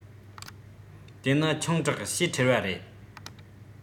དེ ནི ཆུང དྲགས ཞེ ཁྲེལ བ རེད